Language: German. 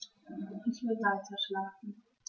Ich will weiterschlafen.